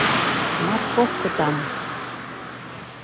морковку там